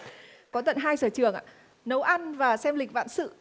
có tận hai sở trường ạ nấu ăn và xem lịch vạn sự